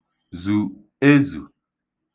zù ezù